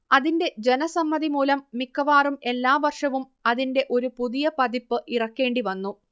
അതിന്റെ ജനസമ്മതിമൂലം മിക്കവാറും എല്ലാവർഷവും അതിന്റെ ഒരു പുതിയപതിപ്പ് ഇറക്കേണ്ടിവന്നു